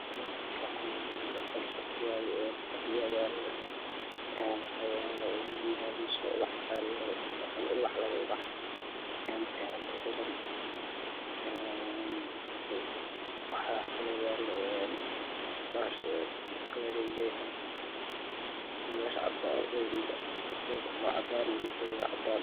Halkaan qol waaye fadhiyo ayaa yaalo. Waxaa yaala labo miis oo labo ubax saaran yihiin. Daah ayaa ku xiran, waxa oo kaloo leeyahay mutuleel iyo roog yar oo cadaan ah.